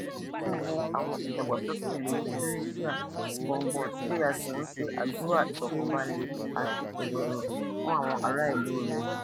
Ń wo àwọn ìdàgbàsókè ní #Tunisia gbọ̀ngbọ̀n tí a sì ń ṣe àdúà ìfọ̀kànbalẹ̀ àti ìrọ̀rùn fún àwọn ará-ìlú rẹ̀.